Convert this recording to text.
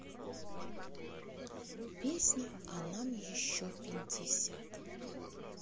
песня а нам еще пятьдесят